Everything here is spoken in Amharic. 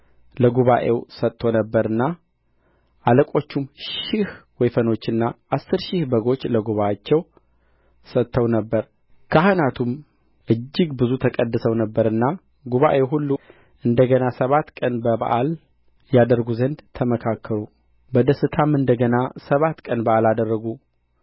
ለጉባኤው ሰጥቶ ነበርና አለቆቹም ሺህ ወይፈኖችና አሥር ሺህ በጎች ለጉባኤው ሰጥተው ነበርና ከካህናቱም እጅግ ብዙ ተቀድሰው ነበርና ጉባኤው ሁሉ እንደ ገና ሰባት ቀን በዓል ያደርጉ ዘንድ ተማከሩ በደስታም እንደ ገና ሰባት ቀን በዓል አደረጉ